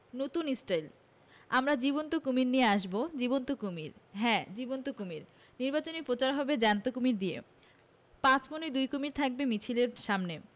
নতুন স্টাইল আমরা জীবন্ত কুমীর নিয়ে আসব জীবন্ত কুমীর হ্যাঁ জীবন্ত কুমীর নির্বাচনী প্রচার হবে জ্যান্ত কুমীর দিয়ে পাঁচমণি দুই কুমীর থাকবে মিছিলের সামনে